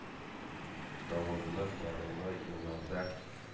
Давыллы, дарылы елларда.